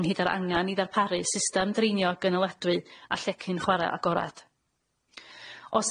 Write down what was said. ynghyd â'r angan i ddarparu system dreinio gynaladwy a llecyn chwara' agorad.